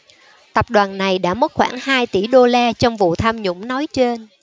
tập đoàn này đã mất khoảng hai tỉ đô la trong vụ tham nhũng nói trên